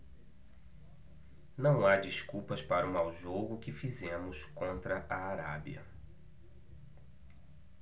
não há desculpas para o mau jogo que fizemos contra a arábia